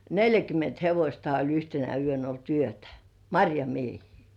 neljäkymmentä hevostakin oli yhtenä yönä ollut yötä marjamiehiä